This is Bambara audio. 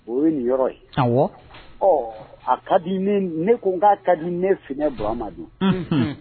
O ye nin yɔrɔ ye, awɔ, ɔ a ka di ne ye, ne ko n k'a ka di ne funɛ Burama de ye, unhun